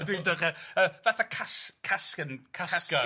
Dw i'n dy- yy yy fatha cas- casgen casgen.